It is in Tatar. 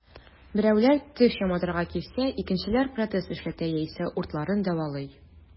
Берәүләр теш яматырга килсә, икенчеләр протез эшләтә яисә уртларын дәвалый.